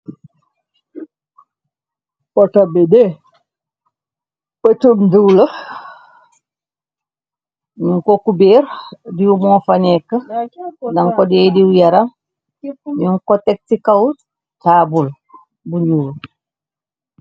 Potabede pëtumduula ñu koku beer diu mo fanekk danko dee diw yaram ñu kotek ci kaw caabul bu ñuur.